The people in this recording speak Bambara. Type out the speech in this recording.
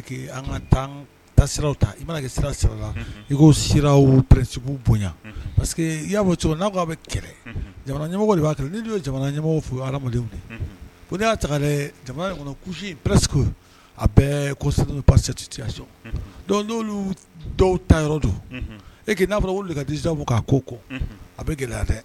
Ka ta i i koɛsi bonyaseke i y'a cogo n'a'a bɛ kɛlɛ jamanamɔgɔ de b'a n' ye jamanamɔgɔw fo de ko ne y'a jamana in kɔnɔ kusi pɛsi a bɛ ko pati ti dɔwolu dɔw ta yɔrɔ don e n'a fɔra wuli ka dijabugu k'a ko kɔ a bɛ gɛlɛya tɛ